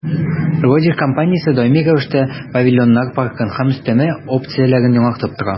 «родер» компаниясе даими рәвештә павильоннар паркын һәм өстәмә опцияләрен яңартып тора.